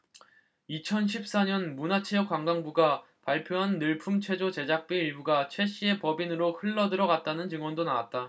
이천 십 사 년 문화체육관광부가 발표한 늘품체조 제작비 일부가 최씨의 법인으로 흘러들어 갔다는 증언도 나왔다